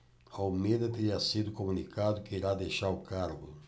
almeida teria sido comunicado que irá deixar o cargo